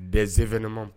Dɛsɛ z2ma